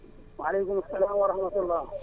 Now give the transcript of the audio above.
maaleykum salaam wa rahmatulah